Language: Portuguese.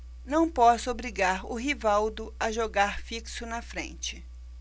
não posso obrigar o rivaldo a jogar fixo na frente